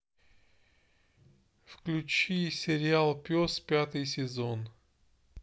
включи сериал пес пятый сезон